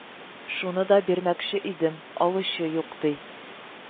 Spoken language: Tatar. – шуны да бирмәкче идем, алучы юк, – ди